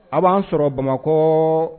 A b'an sɔrɔ Bamakɔ